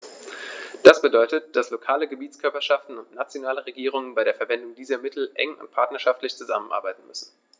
Das bedeutet, dass lokale Gebietskörperschaften und nationale Regierungen bei der Verwendung dieser Mittel eng und partnerschaftlich zusammenarbeiten müssen.